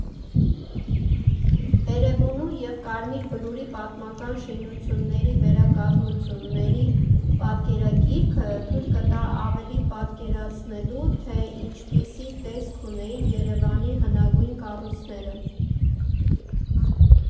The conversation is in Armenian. Էրեբունու և Կարմիր Բլուրի պատմական շինությունների վերակազմությունների պատկերագիրքը թույլ կտա ավելի պատկերացնելու, թե ինչպիսի տեսք ունեին Երևանի հնագույն կառույցները։